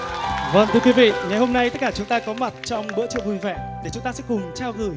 vâng thưa quý vị ngày hôm nay tất cả chúng ta có mặt trong bữa trưa vui vẻ để chúng ta sẽ cùng trao gửi